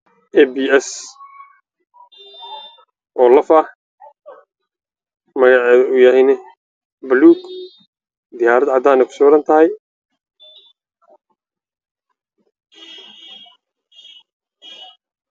Mbs oo laf ah magaceedu yahay buluug diyaarad cadaan ku sawiran tahay